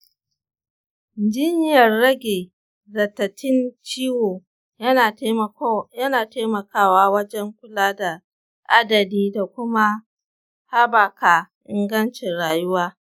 jinyar rage radadin ciwo yana taimakawa wajen kula da radadi da kuma habaka ingancin rayuwa.